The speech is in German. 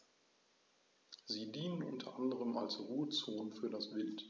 Sie dienen unter anderem als Ruhezonen für das Wild.